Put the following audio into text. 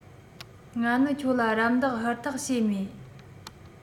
ང ནི ཁྱོད ལ རམ འདེགས ཧུར ཐག བྱས མེད